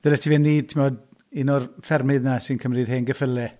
Dyle ti fynd i, timod, un o'r ffermydd 'na sy'n cymryd hen geffylau...